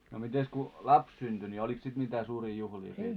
no mitenkäs kun lapsi syntyi niin olikos sitten mitään suuria juhlia siellä